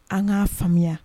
An k'a faamuya